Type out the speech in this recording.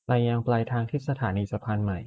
ไปยังปลายทางที่สถานีสะพานใหม่